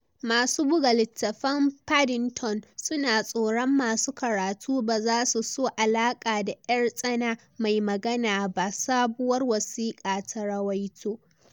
Masu buga littafan Paddington su na tsoron masu karatu ba zasu so alaka da ‘yar tsana mai magana ba, sabuwar wasika ta ruwaito